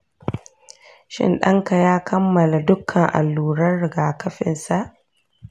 shin ɗanka ya kammala dukkan allurar rigakafinsa?